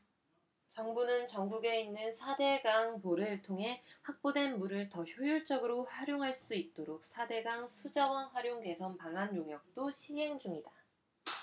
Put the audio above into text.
정부는 전국에 있는 사 대 강 보를 통해 확보된 물을 더 효율적으로 활용할 수 있도록 사 대 강 수자원 활용 개선 방안 용역도 시행 중이다